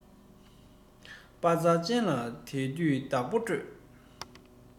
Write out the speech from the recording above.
དཔའ རྩལ ཅན ལ དལ དུས བདག པོ སྤྲོད